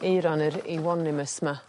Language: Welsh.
aeron yr euonymus 'ma